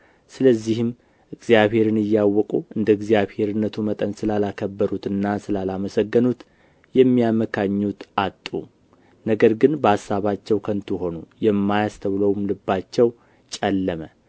ስለዚህም እግዚአብሔርን እያወቁ እንደ እግዚአብሔርነቱ መጠን ስላላከበሩትና ስላላመሰገኑት የሚያመካኙት አጡ ነገር ግን በአሳባቸው ከንቱ ሆኑ የማያስተውለውም ልባቸው ጨለመ